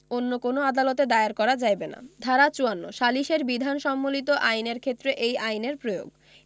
অন্য কোন আদালতে দায়ের করা যাইবে না ধারা ৫৪ সালিস এর বিধান সম্বলিত আইনের ক্ষেত্রে এই আইনের প্রয়োগ